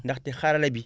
ndaxte xarale bi